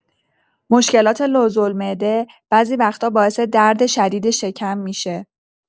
مشکلات لوزالمعده بعضی وقت‌ها باعث درد شدید شکم می‌شه.